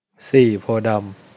สี่โพธิ์ดำ